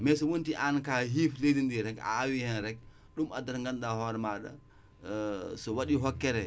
mais